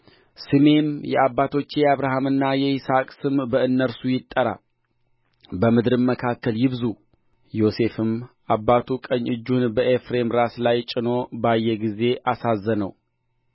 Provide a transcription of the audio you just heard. ስሜም የአባቶቼ የአብርሃምና የይስሐቅም ስም በእነርሱ ይጠራ በምድርም መካከል ይብዙ ዮሴፍም አባቱ ቀኝ እጁን በኤፍሬም ራስ ላይ ጭኖ ባየ ጊዜ አሳዘነው